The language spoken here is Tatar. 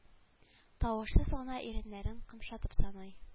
Тавышсыз гына иреннәрен кымшатып саный